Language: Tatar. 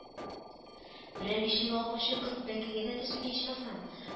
Берәр бишлегә укучы кыз бәкегә дә төшми, ичмасам